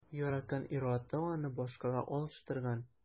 Яраткан ир-аты аны башкага алыштырган.